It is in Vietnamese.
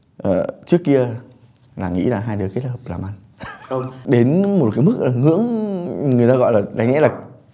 ờ trước kia là nghĩ là hai đứa kết hợp làm ăn đến một cái mức ngưỡng người ta gọi là đáng lẽ là